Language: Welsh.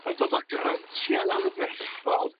yn dod â grantiau anferthol